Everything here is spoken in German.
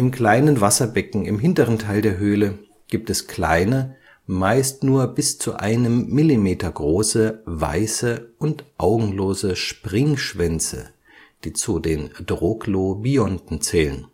kleinen Wasserbecken im hinteren Teil der Höhle gibt es kleine, meist nur bis zu einem Millimeter große, weiße und augenlose Springschwänze (Collembola), die zu den Troglobionten zählen